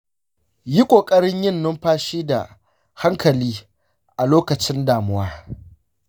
yi ƙoƙarin yin numfashi a hankali a lokacin damuwa.